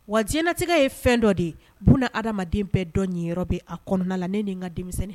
Wa diyɛn latigɛ ye fɛn dɔ de ye buna adamaden bɛɛ dɔ ɲi yɔrɔ bɛ a kɔnɔna la ne nin n ka denmisɛnnin